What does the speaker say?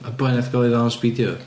Y boi wnaeth gael ei ddal yn spîdio.